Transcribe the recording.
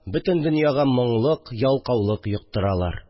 Бөтен дөньяга моңлык, ялкаулык йоктыралар